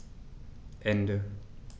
Ende.